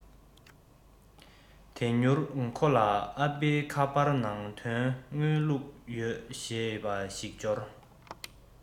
དེ མྱུར ཁོ ལ ཨ ཕའི ཁ པར ནང དོན དངུལ བླུག ཡོད ཞེས པ ཞིག འབྱོར